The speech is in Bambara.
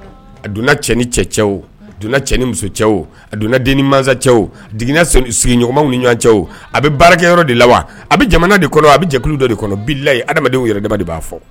A donna cɛ ni cɛ cɛw donna cɛ ni musocɛ a donna den ni mansa cɛw sigiɲɔgɔnw ni ɲɔgɔncɛ a bɛ baarakɛyɔrɔ de la wa a bɛ jamana de kɔnɔ a bɛ jɛkulu dɔ de kɔnɔlaye adamadamadenw yɛrɛ da de b'a fɔ